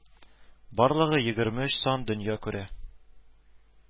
Барлыгы егерме өч сан дөнья күрә